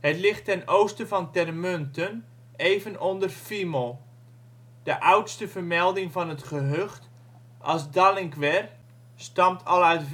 Het ligt ten oosten van Termunten, even onder Fiemel. De oudste vermelding van het gehucht, als Dallynkwer, stamt al uit